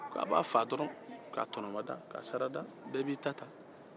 ko a b'a faga dɔrɔn k'a tɔnɔmada bɛɛ b'i ta ta